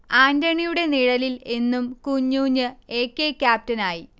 ആന്റണിയുടെ നിഴലിൽ എന്നും കുഞ്ഞൂഞ്ഞ് എ. കെ. ക്യാപ്റ്റനായി